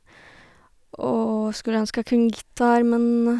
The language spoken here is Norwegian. Og skulle ønske jeg kunne gitar, men...